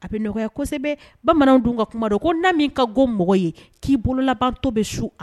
A bɛ nɔgɔya ka ko' min ka mɔgɔ ye k'i bolo labantɔ bɛ su